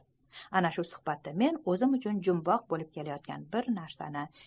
ana shu suhbatda men o'zim uchun jumboq bo'lib kelayotgan bir masalani